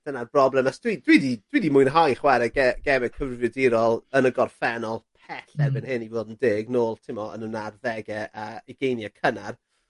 dyna'r broblem 'os dwi dwi 'di dwi 'di mwynhau chware ge- geme cyfrifiadurol yn y gorffennol pell erbyn... Hmm. ...hyn i fod yn deg nôl t'mo' yn 'yn arddege a ugeinie cynnar.